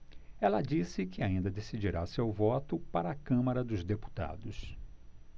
ela disse que ainda decidirá seu voto para a câmara dos deputados